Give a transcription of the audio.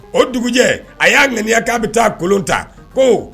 O dugujɛ a y'a ŋaniya k'a bɛ taa kolon ta ko